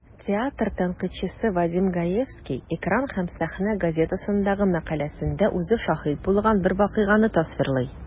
Театр тәнкыйтьчесе Вадим Гаевский "Экран һәм сәхнә" газетасындагы мәкаләсендә үзе шаһит булган бер вакыйганы тасвирлый.